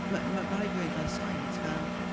M- m- mae'n rhaid i fi weud fel aside fel...